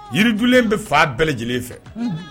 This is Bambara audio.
Yirijlen bɛ fa bɛɛ lajɛlen fɛ